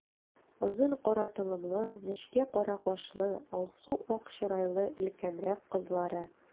Озын кара толымлы, нечкә кара кашлы, алсу-ак чырайлы өлкәнрәк кызлары.